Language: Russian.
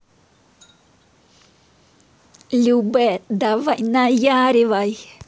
любэ давай наяривай